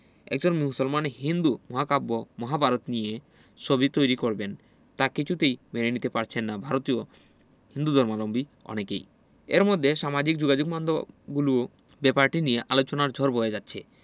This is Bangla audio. একজন মুসলমান হিন্দু মহাকাব্য মহাভারত নিয়ে ছবি তৈরি করবেন তা কিছুতেই মেনে নিতে পারছেন না ভারতীয় হিন্দুধর্মাবলম্বী অনেকেই এরই মধ্যে সামাজিক যোগাযোগমাধ্যম গুলোয় ব্যাপারটি নিয়ে আলোচনার ঝড় বয়ে যাচ্ছে